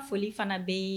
Foli fana bɛ yen